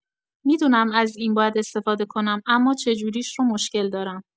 می‌دونم از این باید استفاده کنم، اما چجوریش رو مشکل دارم.